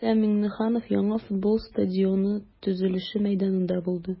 Рөстәм Миңнеханов яңа футбол стадионы төзелеше мәйданында булды.